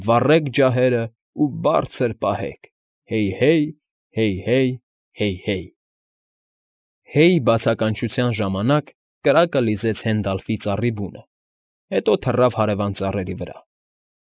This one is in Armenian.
Վառեք ջահերը ու բարձր պահեք, Հեյ֊հե՜յ, Հեյ֊հե՜յ, Հեյ֊հե՜յ։ «Հե՜յ» բացականչության ժամանակ կրակը լիզեց Հենդալֆի ծառի բունը, հետո թռավ հարևան ծառերի վրա։